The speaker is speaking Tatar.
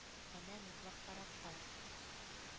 Әнә, ныклап карап кал,